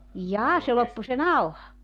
jaa se loppui se nauha